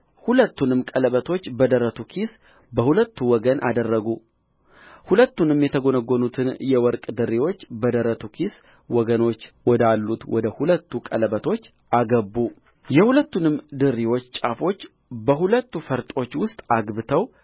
ሁለቱንም ቀለበቶችበደረቱ ኪስ በሁለቱ ወገን አደረጉ ሁለቱንም የተጐነጐኑትን የወርቅ ድሪዎች በደረቱ ኪስ ወገኖች ወዳሉት ወደ ሁለቱ ቀለበቶች አገቡ የሁለቱንም ድሪዎች ጫፎች በሁለቱ ፈርጦች ውስጥ አግብተው